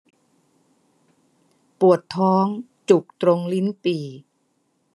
ปวดท้องจุกตรงลิ้นปี่